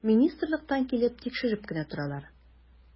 Министрлыктан килеп тикшереп кенә торалар.